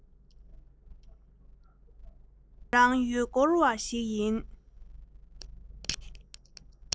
ང རང ཡུལ སྐོར བ ཞིག ཡིན